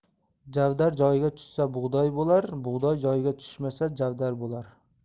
javdar joyiga tushsa bug'doy bo'lar bug'doy joyiga tushmasa javdar bo'lar